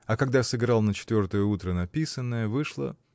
А когда сыграл на четвертое утро написанное, вышла.